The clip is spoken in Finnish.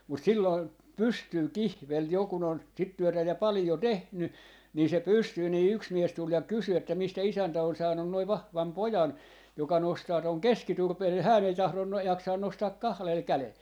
mutta silloin pystyy kihveli jo kun on sitä työtä ja paljon tehnyt niin se pystyy niin yksi mies tuli ja kysyi että mistä isäntä on saanut noin vahvan pojan joka nostaa tuon keskiturpeen ja hän ei tahdo - jaksaa nostaa kahdella kädellä